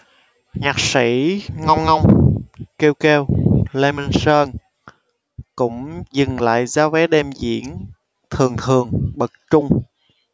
nhạc sĩ ngông ngông kiêu kiêu lê minh sơn cũng dừng lại giá vé đêm diễn thường thường bậc trung